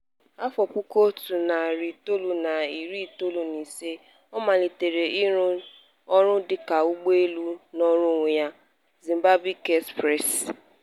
Na 1995, ọ malitere ọrụ dịka ụgbọelu nọọrọ onwe ya, Mozambique Express.